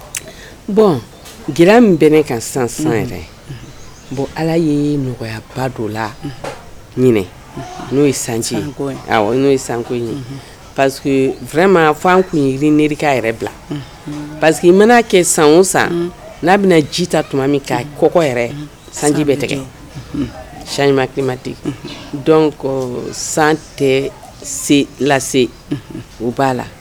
Min bɛ ne ka san bon ala ye nɔgɔyaba dɔ la n ye sanji ye san ye pa fɔ tun n yɛrɛ bila pa que i manaa kɛ san san n'a bɛna ji ta tuma min' kɔ yɛrɛ sanji bɛ tigɛ sajikima tɛ dɔn ko san tɛ lase u b'a la